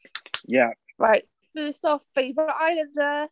Ie... Right first off, favourite islander?